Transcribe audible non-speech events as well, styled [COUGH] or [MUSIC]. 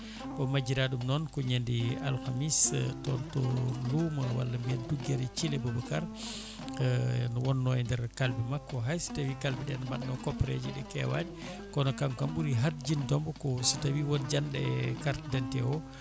o majjira ɗum noon ko ñande alkamisa toon to luumo walla mbiyen Tugguere Thiele Boubacara [HESITATION] ne wonno e nder kalbe makko hayso tawi kalbe ɗe ne mbanno koppareje ɗe kewani kono kanko kam ɓuuri harjindemo ko so tawi woon janɗo e carte d' identité o